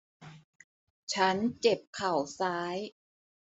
ฉันเจ็บเข่าซ้าย